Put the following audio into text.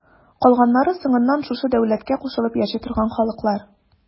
Калганнары соңыннан шушы дәүләткә кушылып яши торган халыклар.